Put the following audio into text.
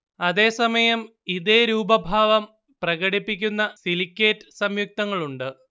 അതേ സമയം ഇതേ രൂപഭാവം പ്രകടിപ്പിക്കുന്ന സിലിക്കേറ്റ് സംയുക്തങ്ങളുണ്ട്